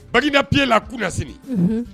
Baginda pied la kunasini